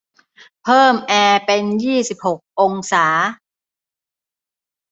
เพิ่มแอร์เป็นยี่สิบหกองศา